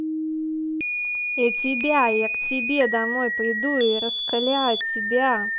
я тебя я к тебе домой приду и раскаляю тебя